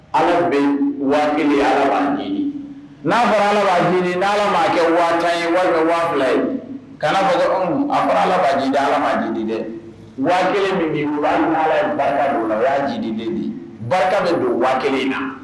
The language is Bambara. Ala bɛ waati ye n'a fɔ ala ni ala kɛ waa tan ye walima waa fila ye kana a fila ka ji ala di di dɛ waati kelen min barika la u y'a ji di di barika de don waa kelen na